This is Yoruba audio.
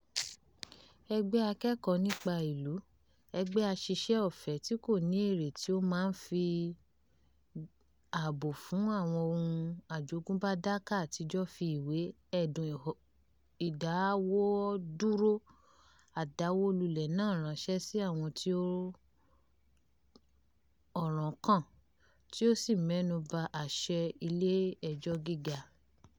Urban Study Group, ẹgbẹ́ aṣiṣẹ́ ọ̀fẹ́-tí-kò-ní-èrè tí ó máa ń fi ààbò fún àwọn ohun àjogúnbá Dhaka Àtijọ́ fi ìwé ẹ̀dùn ìdáwọ́dúróo àdàwólulẹ̀ náà ránṣẹ́ sí àwọn tí ọ̀rán kàn, tí ó sì mẹ́nu ba àṣẹ Ilé-ẹjọ́ Gíga.